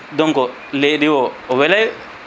donc leydi o o weelay